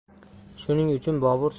shuning uchun bobur